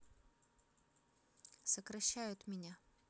сокращают меня